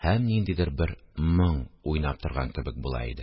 Һәм ниндидер бер моң уйнап торган кебек була иде.